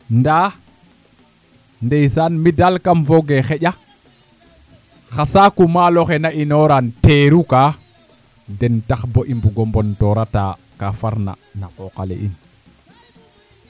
ndaa ndeysaan mi daal kam foog ee xaƴa xa saaku maalo xe na inoora teeru kaa den tax bo i mbugo mbontoorataa ka farna na qooq ale in